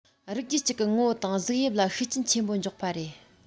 རིགས རྒྱུད ཅིག གི ངོ བོ དང གཟུགས དབྱིབས ལ ཤུགས རྐྱེན ཆེན པོ འཇོག པ རེད